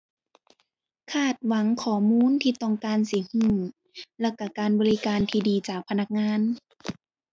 คาดหวังข้อมูลที่ต้องการสิรู้ แล้วรู้การบริการที่ดีจากพนักงาน